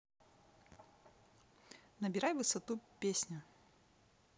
набирай высоту песня